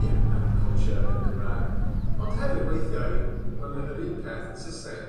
ie, agriculture yn Gymrag. Ond hefyd weithiau ma' 'na yr un peth yn Sysneg.